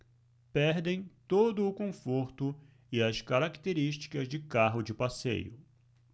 perdem todo o conforto e as características de carro de passeio